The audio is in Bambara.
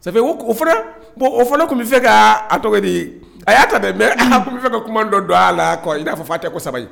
Sabu o fana bon o fana tun bɛ fɛ ka tɔgɔ di a y'a ta mɛ tun fɛ ka kuma dɔ don a la i'a fɔ fa a tɛ ko sabali